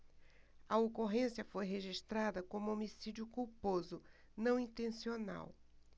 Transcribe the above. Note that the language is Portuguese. a ocorrência foi registrada como homicídio culposo não intencional